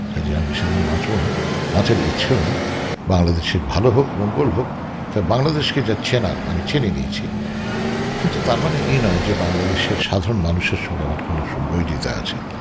কাজেই আমি বেশি দিন বাঁচবো না বাঁচার ইচ্ছেও নেই বাংলাদেশের ভালো হোক মঙ্গল হোক তা বাংলাদেশকে যা চেনার আমি চিনে নিয়েছি কিন্তু তার মানে এই নয় যে বাংলাদেশের সাধারন মানুষের সঙ্গে আমার কোনো বৈরিতা আছে